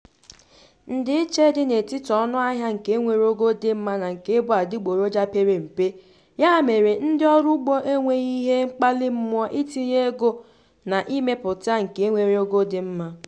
Ndiiche dị n'etiti ọnụahịa nke nwere ogo dị mma na nke bụ adịgboroja pere mpe, ya mere ndị ọrụugbo enweghị ihe mkpalị mmụọ itinye ego na imepụta nke nwere ogo dị mma